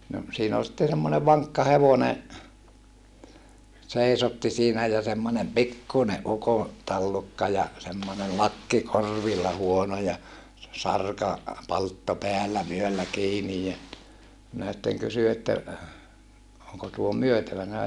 no siinä oli sitten semmoinen vankka hevonen seisotti siinä ja semmoinen pikkuinen ukon tallukka ja semmoinen lakki korvilla huono ja se - sarkapalttoo päällä vyöllä kiinni ja minä sitten kysyin että onko tuo myytävänä